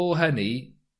o hynny